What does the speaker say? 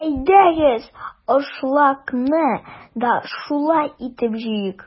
Әйдәгез, ашлыкны да шулай итеп җыйыйк!